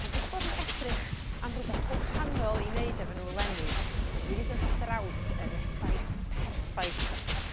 Ond dwi 'di bod yn edrych am rwbeth gwahanol i neud efo n'w eleni a dwi 'di dod ar draws y resit perffaith